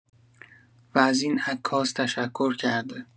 و از این عکاس تشکرکرده.